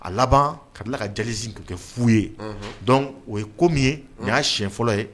A laban ka tila ka jelisi ka kɛ f ye dɔn o ye ko min ye nin y'a si fɔlɔ ye